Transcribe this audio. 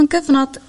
Odd o'n gyfnod